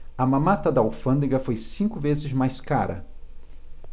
a mamata da alfândega foi cinco vezes mais cara